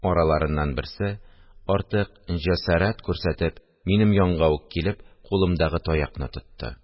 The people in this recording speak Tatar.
Араларыннан берсе, артык җәсарәт күрсәтеп, минем янга ук килеп, кулымдагы таякны тотты